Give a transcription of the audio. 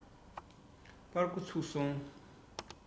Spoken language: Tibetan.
པར སྒོ ཚུགས སོང